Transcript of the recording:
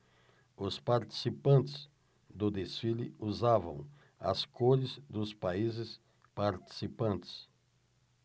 os participantes do desfile usavam as cores dos países participantes